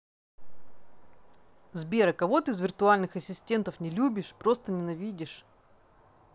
сбер а кого ты из виртуальных ассистентов не любишь просто ненавидишь